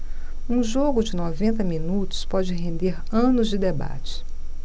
um jogo de noventa minutos pode render anos de debate